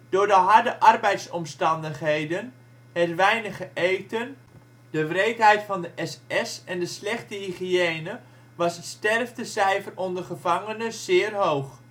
Door de harde arbeidsomstandigheden, het weinige eten, de wreedheid van de SS en de slechte hygiëne was het sterftecijfer onder de gevangenen zeer hoog